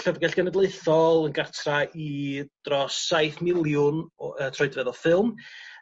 llyfrgell genedlaethol yn gartra i dros saith miliwn o yy troedfedd o ffilm